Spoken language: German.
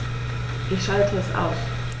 Ich schalte es aus.